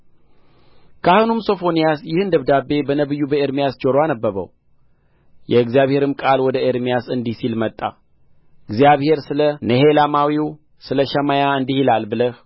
ካህኑም ሶፎንያስ ይህን ደብዳቤ በነቢዩ በኤርምያስ ጆሮ አነበበው የእግዚአብሔርም ቃል ወደ ኤርምያስ እንዲህ ሲል መጣ እግዚአብሔር ስለ ኔሔላማዊው ስለ ሸማያ እንዲህ ይላል ብለህ